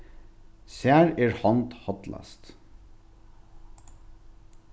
sær er hond hollast